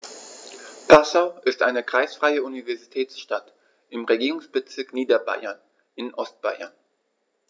Passau ist eine kreisfreie Universitätsstadt im Regierungsbezirk Niederbayern in Ostbayern.